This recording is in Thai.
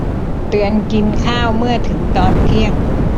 เตือนกินข้าวเมื่อถึงตอนเที่ยง